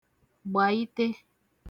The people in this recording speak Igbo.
gbayi(te)